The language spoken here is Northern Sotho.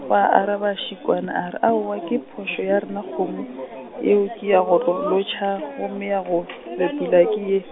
gwa araba Šikwane a re aowa ke phošo ya rena kgomo, eo ke ya go tlo lotšha gomme ya go, bepula ke ye.